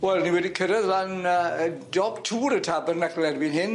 Wel ni wedi cyrredd lan yy y dop twr y Tabernacl erbyn hyn.